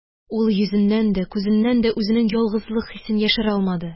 Ул йөзеннән дә, күзеннән дә үзенең ялгызлык хисен яшерә алмады